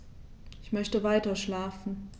Ich möchte weiterschlafen.